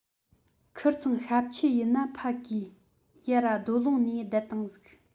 ཁིར ཚང ཤབ ཁྱུ ཡིན ནཕ གིས ཡར ར རྡོ ལུང ནས བསྡད བཏང ཟིག